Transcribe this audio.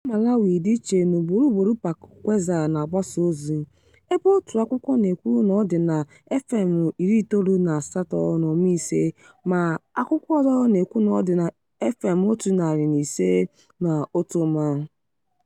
Akwụkwọ Malawi dị iche n'ugboro ugboro Pachikweza na-agbasaozi, ebe otu akwụkwọ na-ekwu na ọ dị na 98.5FM, ma akwụkwọ ọzọ na-ekwu na ọ dị na 105.1FM.